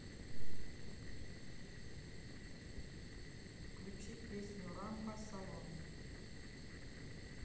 включи песню rambo салон